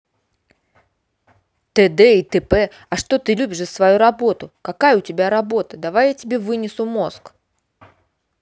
тд и тп а что ты любишь за свою работу какая у тебя работа давай я тебе вынесу мозг